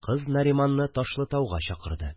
Кыз Нариманны Ташлытауга чакырды